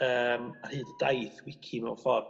yym ar hyd y daith Wici mewn ffor.